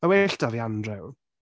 Mae’n well 'da fi Andrew.